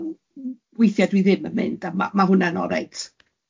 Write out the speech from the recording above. a w- w- weithia dwi ddim yn mynd, a ma' ma' hwnna'n olreit.